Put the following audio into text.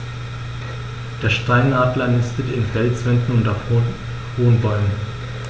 Der Steinadler nistet in Felswänden und auf hohen Bäumen.